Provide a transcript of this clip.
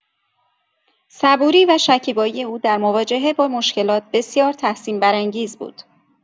صبوری و شکیبایی او در مواجهه با مشکلات، بسیار تحسین‌برانگیز بود.